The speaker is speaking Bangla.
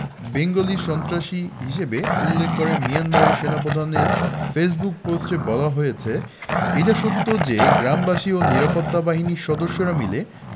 বেঙ্গলি সন্ত্রাসী হিসেবে উল্লেখ করে মিয়ানমারের সেনাপ্রধানের ফেসবুক পোস্টে বলা হয়েছে এটা সত্য যে গ্রামবাসী ও নিরাপত্তা বাহিনীর সদস্যরা মিলে